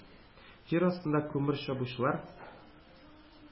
Җир астында күмер чабучылар,